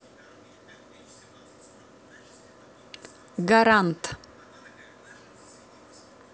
гарант